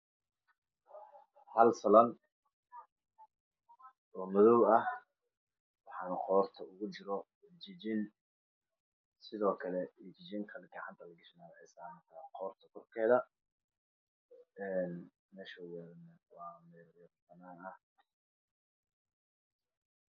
Hal sarwaal oo madow ah wxaana qoorta ugu jiro jijin iyo sidoo kale jijin kale gacanta laga shanaayo saaran qoorta korkeeda meesha uu yaalana waa meel banan ah